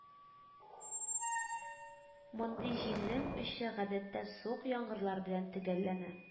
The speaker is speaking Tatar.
Мондый җилнең очы гадәттә суык яңгырлар белән төгәлләнә